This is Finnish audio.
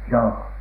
joo